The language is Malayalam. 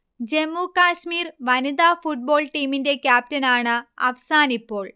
ജമ്മു കശ്മീർ വനിതാ ഫുട്ബോൾ ടീമിന്റെ ക്യാപ്റ്റനാണ് അഫ്സാനിപ്പോൾ